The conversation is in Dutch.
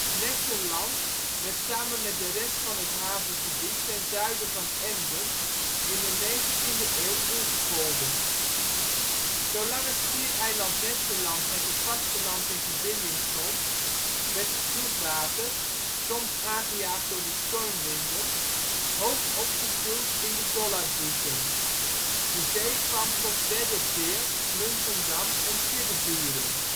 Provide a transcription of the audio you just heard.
Nesserland werd samen met de rest van het havengebied ten zuiden van Emden in de negentiende eeuw ingepolderd. Zolang het schiereiland Nesserland met het vasteland in verbinding stond, werd het vloedwater, soms aangejaagd door de stormwinden, hoog opgestuwd in de Dollardboezem. De zee kwam tot Wedderveer, Muntendam en Siddeburen